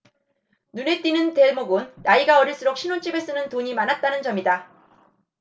눈에 띄는 대목은 나이가 어릴수록 신혼집에 쓰는 돈이 많았다는 점이다